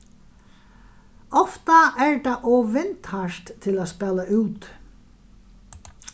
ofta er tað ov vindhart til at spæla úti